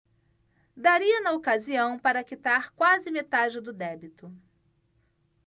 daria na ocasião para quitar quase metade do débito